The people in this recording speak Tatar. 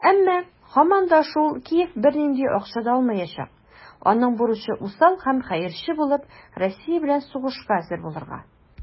Әмма, һаман да шул, Киев бернинди акча да алмаячак - аның бурычы усал һәм хәерче булып, Россия белән сугышка әзер булырга.